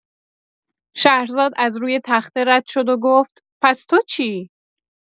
شهرزاد از روی تخته رد شد و گفت: پس تو چی؟